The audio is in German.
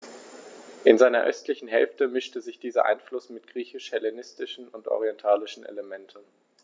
In seiner östlichen Hälfte mischte sich dieser Einfluss mit griechisch-hellenistischen und orientalischen Elementen.